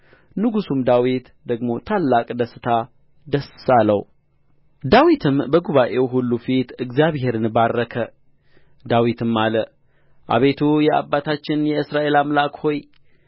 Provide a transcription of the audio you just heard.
ንጉሡም ዳዊት ደግሞ ታላቅ ደስታ ደስ አለው ዳዊትም በጉባኤው ሁሉ ፊት እግዚአብሔርን ባረከ ዳዊትም አለ አቤቱ የአባታችን የእስራኤል አምላክ ሆይ